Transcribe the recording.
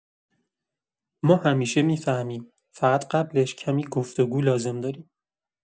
ما همیشه می‌فهمیم، فقط قبلش کمی گفت‌وگو لازم داریم.